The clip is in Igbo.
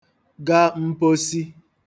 ga mposi